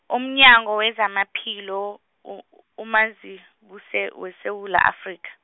umnyango wezamaphilo u- uMazibuse, weSewula Afrika.